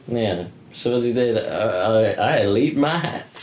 Ie 'sa fo 'di deud I I I I'll eat my hat.